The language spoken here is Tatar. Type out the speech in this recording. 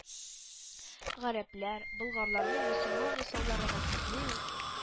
Гарәпләр болгарларны мөселман ясауларына хәтле үк,